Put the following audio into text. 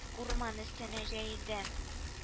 Урман өстенә җәелде